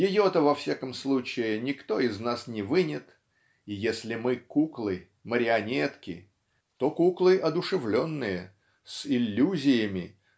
ее-то во всяком случае никто из нас не вынет, и если мы куклы марионетки то куклы одушевленные с иллюзиями